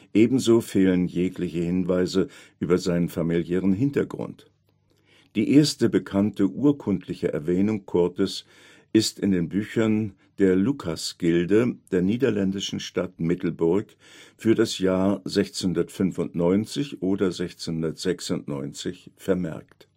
Ebenso fehlen jegliche Hinweise über seinen familiären Hintergrund. Die erste bekannte urkundliche Erwähnung Coortes ist in den Büchern der Lukasgilde der niederländischen Stadt Middelburg für das Jahr 1695 oder 1696 vermerkt